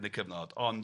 yn y cyfnod, ond,